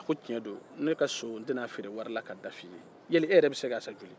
a ko tiɲɛn do ne ka so n tɛ n'a feere wari la k'a da f'i ye yali e yɛrɛ bɛ se k'a san joli